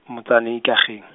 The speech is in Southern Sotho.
motsaneng Ikageng.